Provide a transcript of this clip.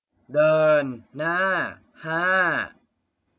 เดินหน้าห้า